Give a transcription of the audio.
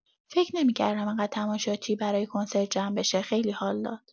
فکر نمی‌کردم اینقدر تماشاچی برای کنسرت جمع بشه، خیلی حال داد!